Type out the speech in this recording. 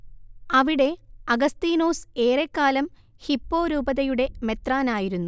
അവിടെ അഗസ്തീനോസ് ഏറെക്കാലം ഹിപ്പോ രൂപതയുടെ മെത്രാനായിരിരുന്നു